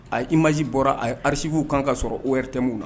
A i masi bɔra a ye ararisiw kan ka sɔrɔ o yɛrɛtɛmuw na